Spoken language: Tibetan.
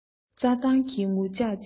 རྩ ཐང གི ངུ ངག བཅས